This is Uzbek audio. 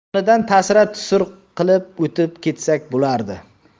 yonidan tasira tusur qilib o'tib ketsak bo'ladi